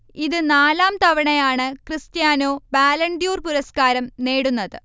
ഇത് നാലാം തവണയാണ് ക്രിസ്റ്റ്യാനോ ബാലൺദ്യോർ പുരസ്കാരം നേടുന്നത്